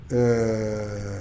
Un